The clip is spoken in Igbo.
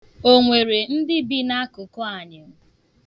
O nwere ndị bi n'akụkụ anyịm?